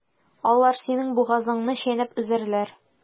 Алар синең бугазыңны чәйнәп өзәрләр.